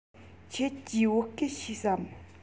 ཁྱེད ཀྱིས བོད སྐད ཤེས སམ